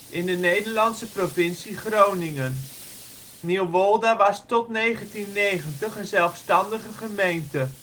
in de Nederlandse provincie Groningen. Nieuwolda was tot 1990 een zelfstandige gemeente